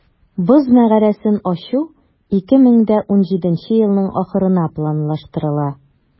Паркның төньяк өлешендә урнашкан "Боз мәгарәсен" ачу 2017 елның ахырына планлаштырыла.